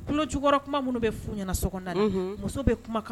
Muso